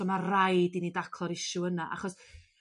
So ma' raid i ni daclo'r isiw yna achos